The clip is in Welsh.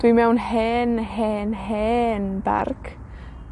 Dwi mewn hen, hen, hen barc.